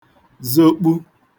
zokpu